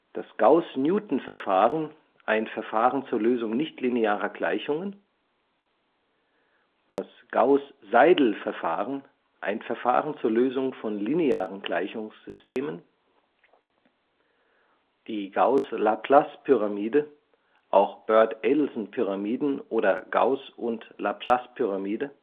das Gauß-Newton-Verfahren, ein Verfahren zur Lösung nichtlinearer Gleichungen das Gauß-Seidel-Verfahren, ein Verfahren zur Lösung von linearen Gleichungssystemen die Gauß-Laplace-Pyramide, auch Burt-Adelson-Pyramiden oder Gauß - und Laplacepyramide